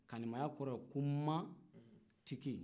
kanimɛya kɔrɔ ye ko n matigi